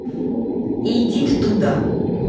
иди в туда